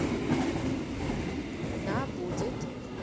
на будет